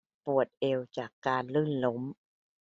ปวดเอวจากการลื่นล้ม